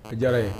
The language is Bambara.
A diyara n ye.